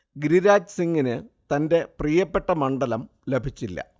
ഗിരിരാജ് സിംഗിന് തൻറെ പ്രിയപ്പെട്ട മണ്ഡലം ലഭിച്ചില്ല